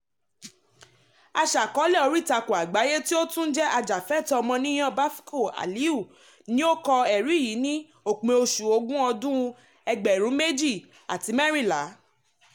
Aṣàkọọ́lẹ̀ oríìtakùn àgbáyé tí ó tún jẹ́ ajàfẹ́tọ̀ọ́ ọmọnìyàn Befeqadu Hailu ni ó kọ ẹ̀rí yìí ní òpin oṣù Ògún ọdún 2014.